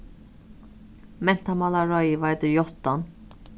mentamálaráðið veitir játtan